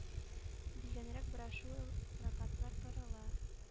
Дигәнрәк брошюра-плакатлар таратыла.